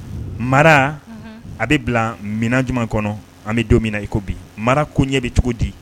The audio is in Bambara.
Mara a bɛ bila minɛn jumɛn kɔnɔ an bɛ don min na i ko bi mara ko ɲɛ bɛ cogo di